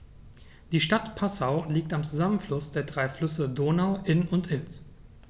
Die Stadt Passau liegt am Zusammenfluss der drei Flüsse Donau, Inn und Ilz.